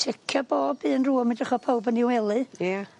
Tsiecio bob un rŵan ma' edrych fel powb yn 'u wely. Ia.